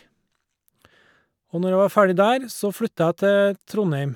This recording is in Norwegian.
Og når jeg var ferdig der, så flytta jeg til Trondheim.